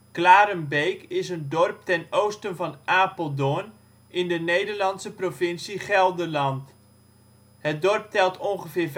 Klarenbeek is een dorp ten oosten van Apeldoorn in de Nederlandse provincie Gelderland. Het dorp telt ongeveer